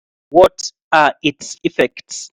What are its effects?